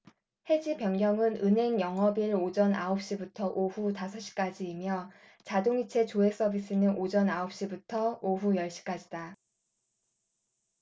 해지 변경은 은행 영업일 오전 아홉 시부터 오후 다섯 시까지이며 자동이체 조회 서비스는 오전 아홉 시부터 오후 열 시까지다